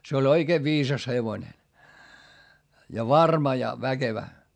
se oli oikein viisas hevonen ja varma ja väkevä